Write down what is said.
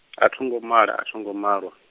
athongo mala athongo malwa.